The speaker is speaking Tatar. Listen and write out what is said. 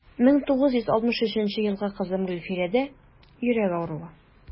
1963 елгы кызым гөлфирәдә йөрәк авыруы.